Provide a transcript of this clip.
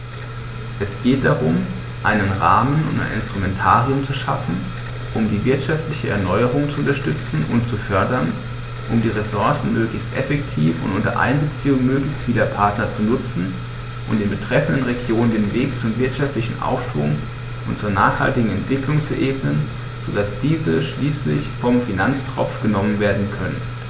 Es geht darum, einen Rahmen und ein Instrumentarium zu schaffen, um die wirtschaftliche Erneuerung zu unterstützen und zu fördern, um die Ressourcen möglichst effektiv und unter Einbeziehung möglichst vieler Partner zu nutzen und den betreffenden Regionen den Weg zum wirtschaftlichen Aufschwung und zur nachhaltigen Entwicklung zu ebnen, so dass diese schließlich vom Finanztropf genommen werden können.